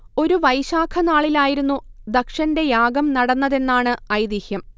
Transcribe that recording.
ഒരു വൈശാഖ നാളിലായിരുന്നു ദക്ഷന്റെ യാഗം നടന്നതെന്നാണ് ഐതിഹ്യം